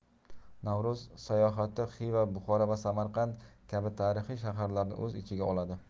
navro'z sayohati xiva buxoro va samaqand kabi tarixiy shaharlarni o'z ichiga oladi